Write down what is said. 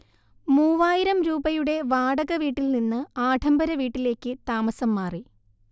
മൂവായിരം രൂപയുടെ വാടകവീട്ടിൽ നിന്ന് ആഢംബര വീട്ടിലേക്ക് താമസം മാറി